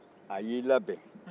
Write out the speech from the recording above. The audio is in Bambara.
a y'i labɛn